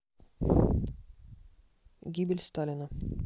гибель сталина